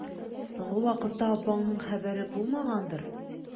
Соңгы вакытта апаңның хәбәре булмагандыр?